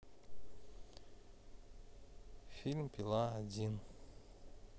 фильм пила один